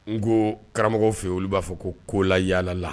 Ngoo karamɔgɔ fe ye olu b'a fɔ ko kolayaala la